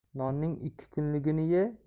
nonning ikki kunligini